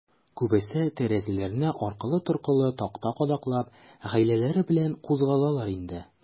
Күбесе, тәрәзәләренә аркылы-торкылы такта кадаклап, гаиләләре белән кузгалалар иде.